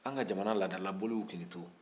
an ka jamana laadala boliw kan'i to